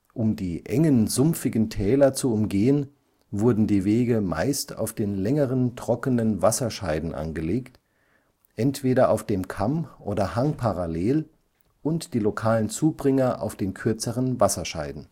Um die engen, sumpfigen Täler zu umgehen, wurden die Wege meist auf den längeren trockenen Wasserscheiden angelegt, entweder auf dem Kamm oder hangparallel und die lokalen Zubringer auf den kürzeren Wasserscheiden